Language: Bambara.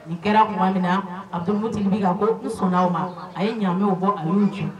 Ni kɛra tuma min na, a ko motile bire a ko n sɔn na. A ye ɲamɛw bɔ a y'u ci